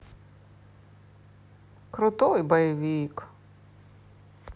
крутой боевик